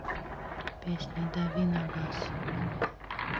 песня дави на газ